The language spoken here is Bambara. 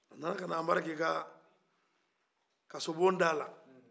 a nana ka na anbarike ka kasobon da la